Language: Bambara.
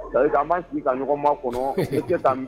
Sabu ma sigi ka ɲɔgɔn ma kɔnɔ